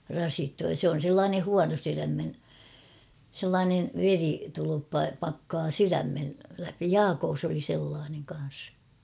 rasittuu ja se on sellainen huonosydäminen sellainen veritulppa pakkaa sydämen läpi - Jaakossa oli sellainen kanssa